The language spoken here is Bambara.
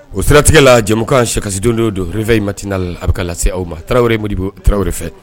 O siratigɛ la jɛmukan sekasidon don fɛ in mati'a la a bɛ lase aw ma taraweleraw taraweleraw fɛ